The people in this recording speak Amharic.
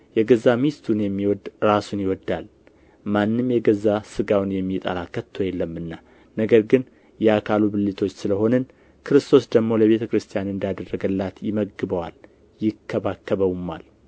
የገዛ ሚስቱን የሚወድ ራሱን ይወዳል ማንም የገዛ ሥጋውን የሚጠላ ከቶ የለምና ነገር ግን የአካሉ ብልቶች ስለሆንን ክርስቶስ ደግሞ ለቤተ ክርስቲያን እንዳደረገላት ይመግበዋል ይከባከበውማል